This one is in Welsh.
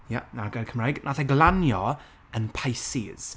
ie, 'na gair Cymraeg, wnaeth e glanio, yn Pisces.